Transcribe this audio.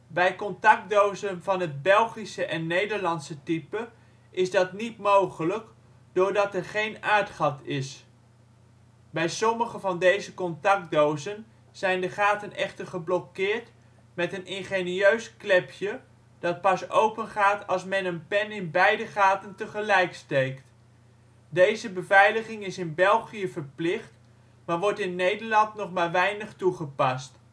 Bij contactdozen van het Belgische en Nederlandse type is dat niet mogelijk, doordat er geen aardgat is. Bij sommige van deze contactdozen zijn de gaten echter geblokkeerd met een ingenieus klepje dat pas open gaat als men een pen in beide gaten tegelijk steekt. Deze beveiliging is in België verplicht maar wordt in Nederland nog maar weinig toegepast